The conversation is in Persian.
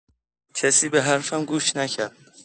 کسی به حرفم گوش نکرد.